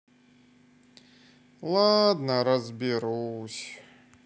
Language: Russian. ладно разберусь